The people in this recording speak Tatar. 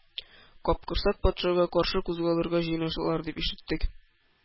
Капкорсак патшага каршы кузгалырга җыйналалар дип ишеттек,